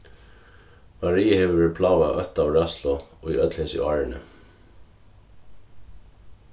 maria hevur verið plágað av ótta og ræðslu í øll hesi árini